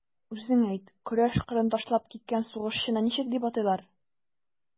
Үзең әйт, көрәш кырын ташлап киткән сугышчыны ничек дип атыйлар?